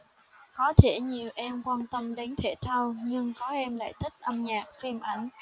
có thể nhiều em quan tâm đến thể thao nhưng có em lại thích âm nhạc phim ảnh